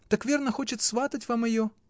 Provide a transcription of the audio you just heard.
так, верно, хочет сватать вам ее.